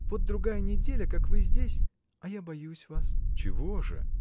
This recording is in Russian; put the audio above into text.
Вот другая неделя, как вы здесь. а я боюсь вас. — Чего же?